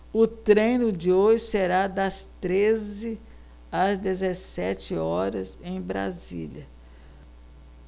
o treino de hoje será das treze às dezessete horas em brasília